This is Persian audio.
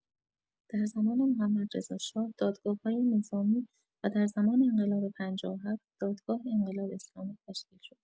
در زمان محمدرضاشاه دادگاه‌های نظامی و در زمان انقلاب ۵۷ دادگاه انقلاب اسلامی تشکیل شد.